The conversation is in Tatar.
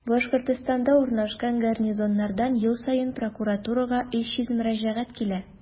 Башкортстанда урнашкан гарнизоннардан ел саен прокуратурага 300 мөрәҗәгать килә.